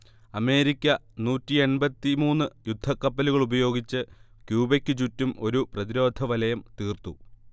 America നൂറ്റിയെൺപത്തി മൂന്ന് യുദ്ധക്കപ്പലുകളുപയോഗിച്ച് ക്യൂബക്കു ചുറ്റും ഒരു പ്രതിരോധവലയം തീർത്തു